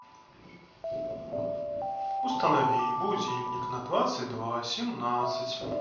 установи будильник на двадцать два семнадцать